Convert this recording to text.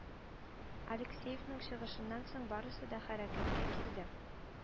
Алексеевның чыгышыннан соң барысы да хәрәкәткә килде